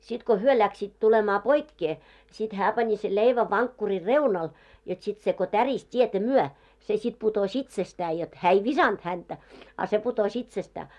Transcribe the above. sitten kun he lähtivät tulemaan poikkeen sitten hän pani sen leivän vankkurin reunalle jotta sitten se kun tärisi tietä myöten se sitten putosi itsestään jotta hän ei viskannut häntä a se putosi itsestään